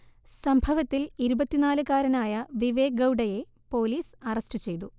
സംഭവത്തിൽ ഇരുപത്തിനാല് കാരനായ വിവേക് ഗൗഡയെ പോലീസ് അറസ്റ്റ് ചെയ്തു